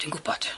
Dwi'n gwbod.